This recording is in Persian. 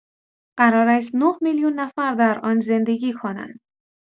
قرار است ۹ میلیون نفر در آن زندگی کنند.